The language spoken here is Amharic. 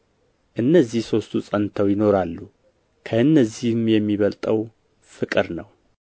እነዚህ ሦስቱ ጸንተው ይኖራሉ ከእነዚህም የሚበልጠው ፍቅር ነው